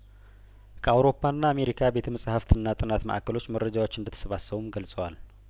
ከአውሮፓና አሜሪካ ቤተ መጻህፍትና ጥናት ማእከሎች መረጃዎች እንደተሰባሰቡም ገልጸዋል